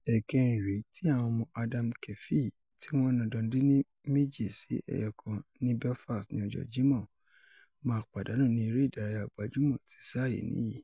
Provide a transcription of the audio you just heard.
Ẹ̀kẹ́rin rèé tí àwọn ọmọ Adam Kefee, tí wọ́n na Dundee ní 2 sí 1 ní Belfast ní ọjọ́ Jímọ̀, máa pàdánù ní Eré-ìdárayá Gbajúmọ̀ ti sáà yí nìyí.